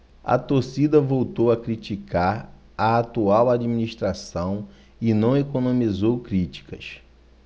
a torcida voltou a criticar a atual administração e não economizou críticas